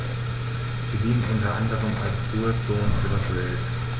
Sie dienen unter anderem als Ruhezonen für das Wild.